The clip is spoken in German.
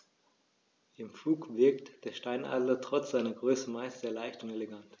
Im Flug wirkt der Steinadler trotz seiner Größe meist sehr leicht und elegant.